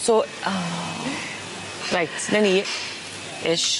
So o reit 'na ni. Ish.